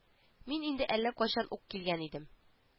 Мин инде әллә качан ук килгән идем